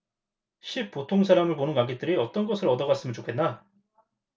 십 보통사람을 보는 관객들이 어떤 것을 얻어갔으면 좋겠나